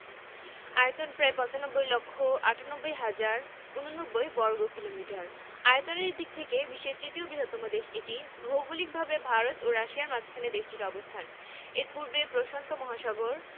তবে এ ভাষা সারা বিশ্বে চীনা ভাষা নামে পরিচিত চীনের অর্থনীতি এখনো প্রধানত কৃষিনির্ভর কৃষিজাত দ্রব্যের মধ্যে ধানই প্রধান অন্যান্য কৃষিজাত দ্রব্যের মধ্যে উল্লেখযোগ্য হচ্ছে গম আলু রীট